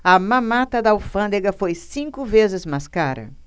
a mamata da alfândega foi cinco vezes mais cara